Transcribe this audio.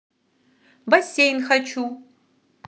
бассейн хочу